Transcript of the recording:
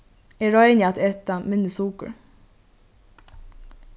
eg royni at eta minni sukur